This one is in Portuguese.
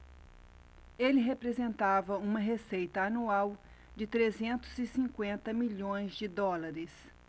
ele representava uma receita anual de trezentos e cinquenta milhões de dólares